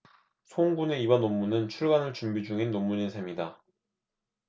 송 군의 이번 논문은 출간을 준비 중인 논문인 셈이다